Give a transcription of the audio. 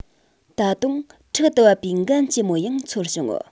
ད དུང ཕྲག ཏུ བབས པའི འགན ལྕི མོ ཡང ཚོར བྱུང